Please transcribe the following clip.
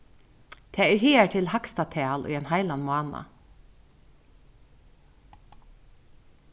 tað er higartil hægsta tal í ein heilan mánað